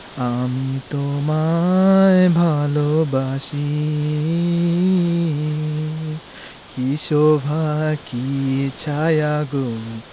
আমি তোমায় ভালোবাসি কী শোভা কী ছায়া গো